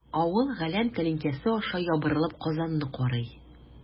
Авыл галәм тәлинкәсе аша ябырылып Казанны карый.